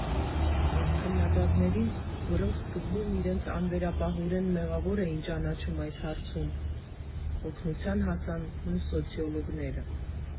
Բայց քննադատներին, որոնք սկզբում իրենց անվերապահորեն մեղավոր էին ճանաչում այս հարցում, օգնություն հասան նույն սոցիոլոգները։